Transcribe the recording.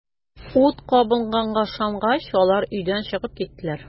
Ут кабынганга ышангач, алар өйдән чыгып киттеләр.